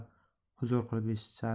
huzur qilib eshitishar